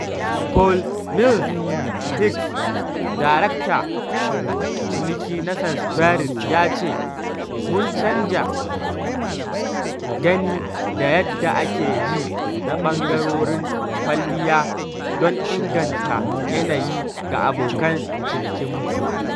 Paul Mills-Hicks, daraktan ciniki na Sainsbury's ya ce: “Mun canza gani da yadda ake ji na ɓangarorin kwalliya don inganta yanayi ga abokan cinikinmu.